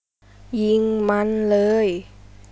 ยิงมันเลย